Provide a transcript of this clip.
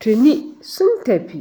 tuni sun tafi.